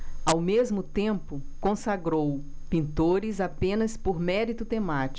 ao mesmo tempo consagrou pintores apenas por mérito temático